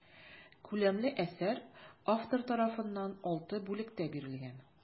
Күләмле әсәр автор тарафыннан алты бүлектә бирелгән.